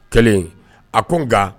Kelen a ko n nka